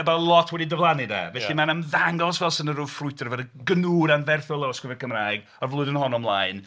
Mae 'na lot wedi diflannu 'de, felly mae'n ymddangos fel 'sa 'na ryw ffrwydriad, ryw gnwd anferthol o lawysgrifau Cymraeg o'r flwyddyn honno ymlaen...